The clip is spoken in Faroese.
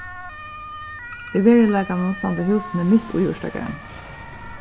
í veruleikanum standa húsini mitt í urtagarðinum